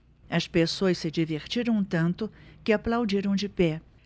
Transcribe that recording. as pessoas se divertiram tanto que aplaudiram de pé